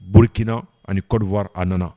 Burukina ani Kodowari ananas